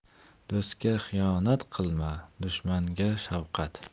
do'stga xiyonat qilma dushmanga shafqat